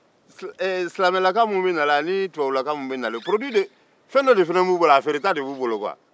silamɛlaka minnu ni tubabulaka minnu b'a la ka na fɛn dɔ feereta b'u bolo